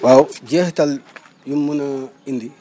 waaw jeexital yu mu mën a indi